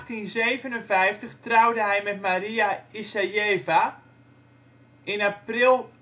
In 1857 trouwde hij met Maria Isajeva. In april